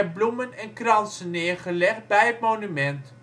bloemen en kransen neergelegd bij het monument